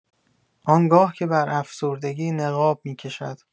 آنگاه که بر افسردگی نقاب می‌کشد.